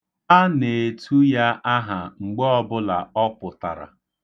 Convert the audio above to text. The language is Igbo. Ha na-etu ya aha mgbe ọbụla ọ pụtara.